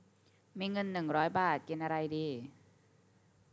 มีเงินหนึ่งร้อยบาทกินอะไรดี